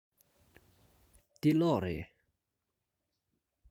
འདི གློག རེད